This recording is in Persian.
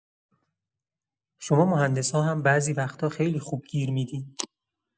شما مهندس‌ها هم بعضی وقت‌ها خیلی خوب گیر می‌دین.